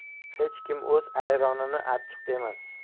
hech kim o'z ayronini achchiq demas